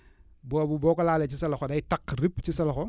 boobu boo ko laalee ci sa loxo day taq ripp ci sa loxo